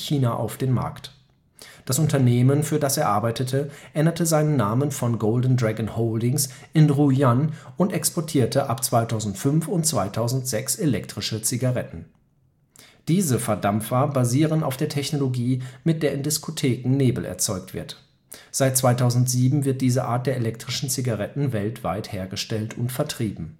auf den Markt. Das Unternehmen, für das er arbeitete, änderte seinen Namen von „ Golden Dragon Holdings “in Ruyan und exportierte ab 2005/2006 elektrische Zigaretten. Diese „ Verdampfer “basieren auf der Technologie, mit der in Diskotheken Nebel erzeugt wird. Seit 2007 wird diese Art der elektrischen Zigaretten weltweit hergestellt und vertrieben